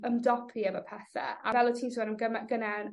ymdopi efo pethe. A fel o' ti'n sôn am gyme- gynne...